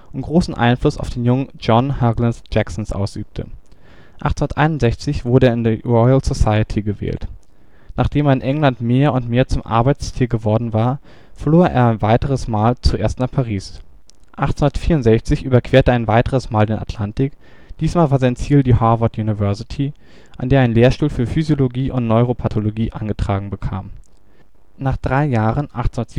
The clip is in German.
großen Einfluss auf den jungen John Hughlings Jackson ausübte. 1861 wurde er in die Royal Society gewählt. Nachdem er in England mehr und mehr zum Arbeitstier geworden war, floh er ein weiteres Mal, zuerst nach Paris. 1864 überquerte er ein weiteres Mal den Atlantik, diesmal war sein Ziel die Harvard University, an der er einen Lehrstuhl für Physiologie und Neuropathologie angetragen bekam. Nach drei Jahren, 1867